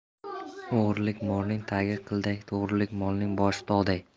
o'g'irlik morning tagi qilday to'g'rilik molning boshi tog'day